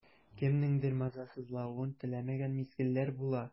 Кемнеңдер мазасызлавын теләмәгән мизгелләр була.